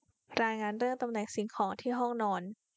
รายงานเรื่องตำแหน่งสิ่งของที่ห้องนอน